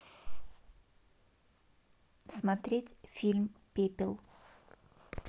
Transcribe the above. смотреть фильм пепел